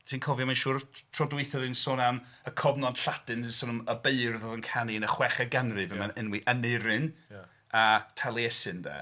Ti'n cofio mae'n siŵr, t- tro dwytha oedden ni'n sôn am y cofnod Lladin... A sôn am y beirdd oedd yn canu yn y chweched ganrif a maen nhw'n enwi Aneirin a Taliesin 'de.